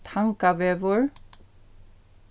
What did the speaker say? tangavegur